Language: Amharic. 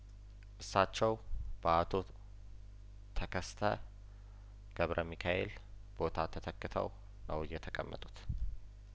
እሳቸው በአቶ ተከስተ ገብረ ሚካኤል ቦታ ተተክተው ነው የተቀመጡት